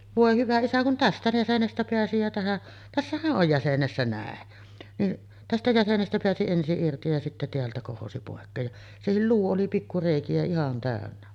voi hyvä isä kun tästä jäsenestä pääsi ja tähän tässähän on jäsenessä näin niin tästä jäsenestä pääsi ensin irti ja sitten täältä kohosi pois ja sekin luu oli pikku reikiä ihan täynnä